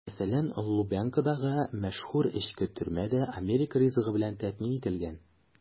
Мәсәлән, Лубянкадагы мәшһүр эчке төрмә дә америка ризыгы белән тәэмин ителгән.